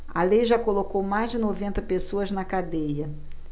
a lei já colocou mais de noventa pessoas na cadeia